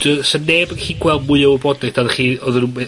dy- 'sa neb yn gellu gweld mwy o wybodaeth arnoch chi oedd yn rwbeth...